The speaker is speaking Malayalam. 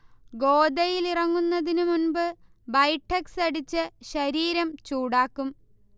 ഗോദയിൽ ഇറങ്ങുന്നതിന് മുമ്പ് ബൈഠക്സ് അടിച്ച് ശരീരം ചൂടാക്കും